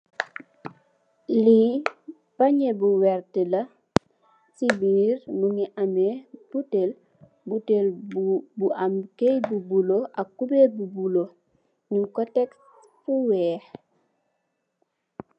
Li pañe bu werta la ci biir mugii ameh butèèl, butèèl bu am kayit bu bula ak kuberr bu bula ñing ko tèk fu wèèx.